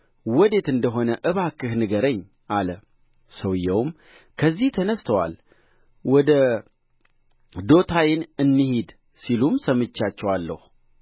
ወዴት እንደ ሆነ እባክህ ንገረኝ አለ ሰውዮውም ከዚህ ተነሥተዋል ወደ ዶታይን እንሂድ ሲሉም ሰምቼአቸዋለሁ